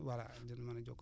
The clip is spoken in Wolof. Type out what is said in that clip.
voilà dinañ mën a jokkoo